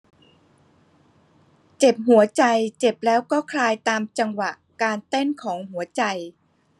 เจ็บหัวใจเจ็บแล้วก็คลายตามจังหวะการเต้นของหัวใจ